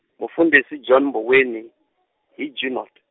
mufundhisi John Mboweni , hi Junod.